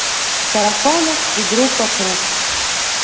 сарафанов и группа круг